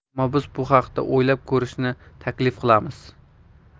ammo biz bu haqda o'ylab ko'rishni taklif qilamiz